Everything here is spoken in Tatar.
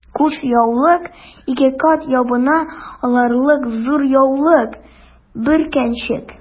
Кушъяулык— ике кат ябына алырлык зур яулык, бөркәнчек...